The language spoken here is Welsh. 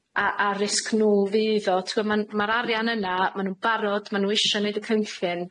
a a risg nw fydd o. T'wo' ma'n- ma'r arian yna, ma' nw'n barod, ma' nw isio neud y cynllun.